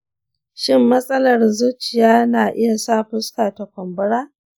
shin matsalar zuciya na iya sa fuska ta kumbura?